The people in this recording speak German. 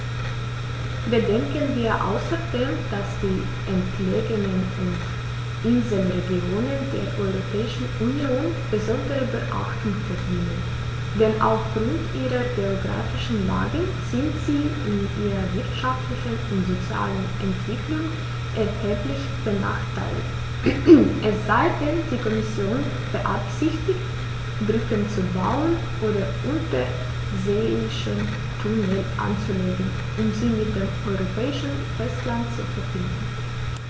Bedenken wir außerdem, dass die entlegenen und Inselregionen der Europäischen Union besondere Beachtung verdienen, denn auf Grund ihrer geographischen Lage sind sie in ihrer wirtschaftlichen und sozialen Entwicklung erheblich benachteiligt - es sei denn, die Kommission beabsichtigt, Brücken zu bauen oder unterseeische Tunnel anzulegen, um sie mit dem europäischen Festland zu verbinden.